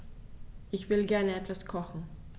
Ich will gerne etwas kochen.